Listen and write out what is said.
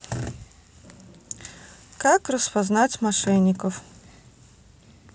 как распознать мошенников